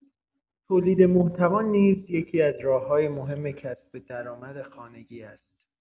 تولید محتوا نیز یکی‌از راه‌های مهم کسب درآمد خانگی است.